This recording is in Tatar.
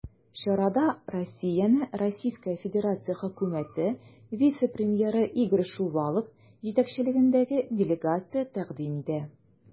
Чарада Россияне РФ Хөкүмәте вице-премьеры Игорь Шувалов җитәкчелегендәге делегация тәкъдим итә.